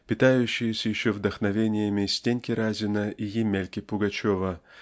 питающаяся еще вдохновениями Стеньки Разина и Емельки Пугачева